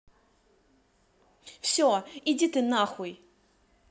все иди ты нахуй